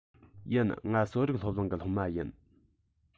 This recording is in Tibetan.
ཡིན ང གསོ རིག སློབ གླིང གི སློབ མ ཡིན